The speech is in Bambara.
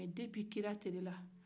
a bini kira tile la